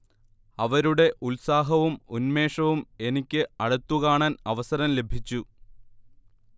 അവരുടെ ഉത്സാഹവും ഉൻമേഷവും എനിക്ക് അടുത്ത് കാണാൻ അവസരം ലഭിച്ചു